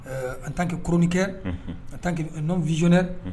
Ɛɛ an' kɛ kurunkɛ a taa n vizyoɛ